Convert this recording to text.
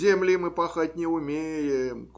земли мы пахать не умеем